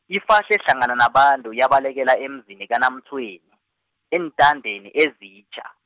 ifahle hlangana nabantu yabalekela emzini kaNaMtshweni , eentandeni ezitjha.